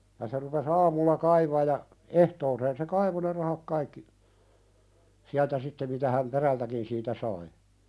ja se rupesi aamulla kaivamaan ja ehtooseen se kaivoi ne rahat kaikki sieltä sitten mitä hän perältäkin siitä sai